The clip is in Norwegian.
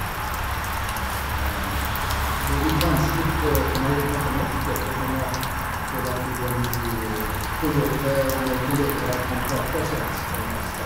Det er litt vanskelig for meg å prate norsk ettersom jeg hele tiden i ve på jobben og med kolleger kan prate svensk for det meste.